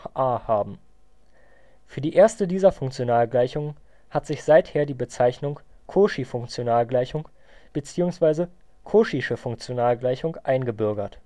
haben. Für die erste dieser Funktionalgleichungen hat sich seither die Bezeichnung Cauchy-Funktionalgleichung bzw. cauchysche Funktionalgleichung eingebürgert